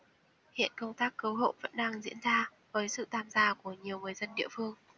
hiện công tác cứu hộ vẫn đang diễn ra với sự tham gia của nhiều người dân địa phương